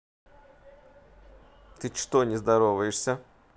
ты что не здороваешься